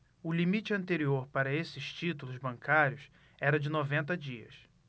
o limite anterior para estes títulos bancários era de noventa dias